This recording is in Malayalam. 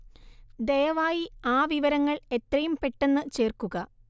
ദയവായി ആ വിവരങ്ങള്‍ എത്രയും പെട്ടെന്ന് ചേര്‍ക്കുക